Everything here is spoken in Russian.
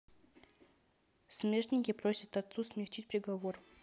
смертники просят отцу смягчить приговор